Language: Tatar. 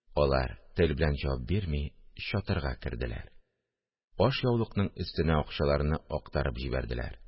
Алар, тел белән җавап бирми, чатырга керделәр, ашъяулыкның өстенә акчаларны актарып җибәрделәр